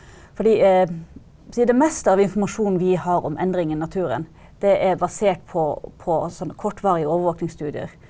fordi si det meste av informasjonen vi har om endring i naturen det er basert på på sånn kortvarige overvåkningsstudier.